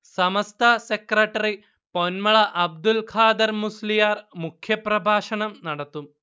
സമസ്ത secretary Ponmala Abdulkhader Musliyar മുഖ്യപ്രഭാഷണം നടത്തും